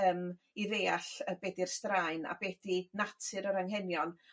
Yym i ddeall y be' 'di'r straen a be' 'di natur yr anghenion